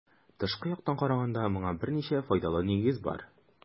Тышкы яктан караганда моңа берничә файдалы нигез бар.